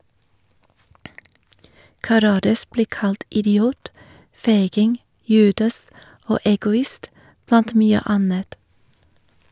Karadas blir kalt idiot, feiging, judas og egoist - blant mye annet.